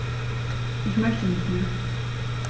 Ich möchte nicht mehr.